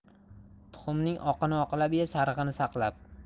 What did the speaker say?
tuxumning oqini oqlab ye sarig'ini saqlab